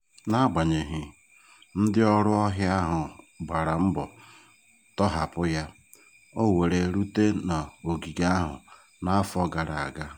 N'agbanyeghị, ndịọrụ ọhịa ahụ gbara mbọ tọhapụ ya, o were rute n'ogige ahụ n'afọ gara aga.